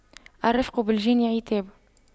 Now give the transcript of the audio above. الرفق بالجاني عتاب